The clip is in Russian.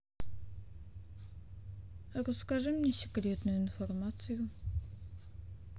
расскажи мне секретную информацию